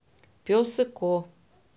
пес и ко